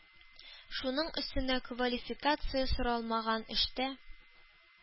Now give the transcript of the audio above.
Шуның өстенә квалификация соралмаган эштә